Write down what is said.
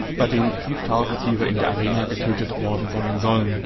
Tiere in der Arena getötet worden sein sollen